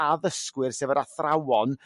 Addysgwyr sef yr athrawon